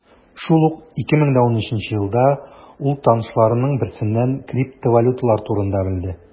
Шул ук 2013 елда ул танышларының берсеннән криптовалюталар турында белде.